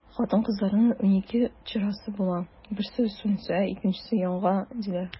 Хатын-кызларның унике чырасы була, берсе сүнсә, икенчесе яна, диләр.